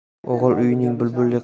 o'g'il uyning bulbuli